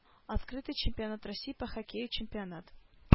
Открытый чемпионат россии по хоккею чемпионат